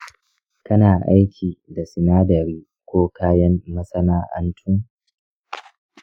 kana aiki da sinadarai ko kayan masana’antu?